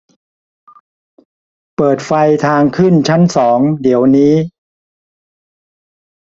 เปิดไฟทางขึ้นชั้นสองเดี๋ยวนี้